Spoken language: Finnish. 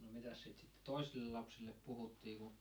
no mitäs sitä sitten toisille lapsille puhuttiin kun